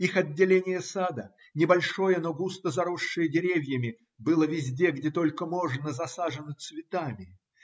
Их отделение сада, небольшое, но густо заросшее деревьями, было везде, где только можно, засажено цветами.